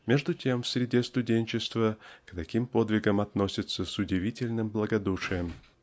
Между тем в среде студенчества к таким подвигам относятся с удивительным благодушием.